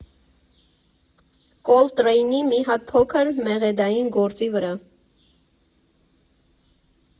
Կոլտրեյնի մի հատ փոքր, մեղեդային գործի վրա։